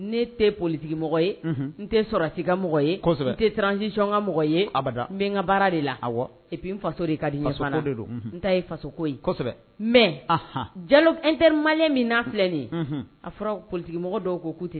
Ne tɛ politigi mɔgɔ ye n tɛ sɔrɔsi ka mɔgɔ ye tɛ siranranzcɔnka mɔgɔ ye ada n ka baara de la a ep faso de ka di nisɔnana de don n ye fasoko ye mɛ jalo n tɛ mali min na filɛ nin a fɔra politigimɔgɔ dɔw kote